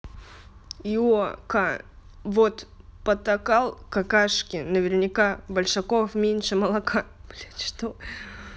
io ка вот потакал какашки наверняка большаков меньше молока